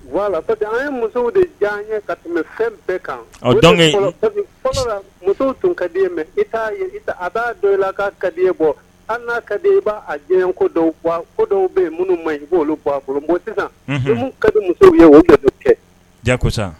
An ye musow de diya an ye ka tɛmɛ fɛn bɛɛ kan muso tun ka di mɛn a' dɔ i la ka ka di bɔ an'a kadi b' a ɲɛ ko dɔw bɔ ko dɔw bɛ minnu ma i b'olu bɔ a sisan ka kɛ